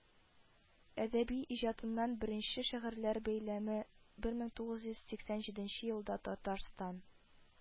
Әдәби иҗатыннан беренче шигырьләр бәйләме 1987 елда Татарстан